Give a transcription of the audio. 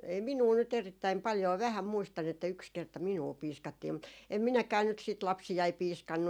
- ei minua nyt erittäin paljoa vähän muistan että yksi kerta minua piiskattiin mutta en minäkään nyt sitten lapsiani piiskannut